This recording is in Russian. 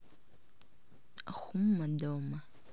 хума дома